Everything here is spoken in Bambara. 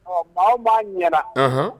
Ɔ baw b'a ɲɛ